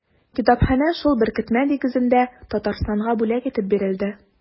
Китапханә шул беркетмә нигезендә Татарстанга бүләк итеп бирелде.